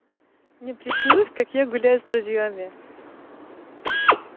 мне приснилось как я гуляю с друзьями